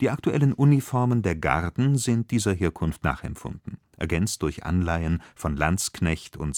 die aktuellen Uniformen der Garden sind dieser Herkunft nachempfunden, ergänzt durch Anleihen von Landsknecht - und